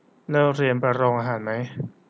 เลิกเรียนไปโรงอาหารมั้ย